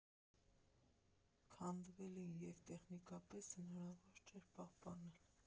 Քանդվել էին և տեխնիկապես հնարավոր չէր պահպանել։